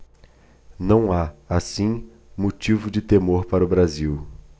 não há assim motivo de temor para o brasil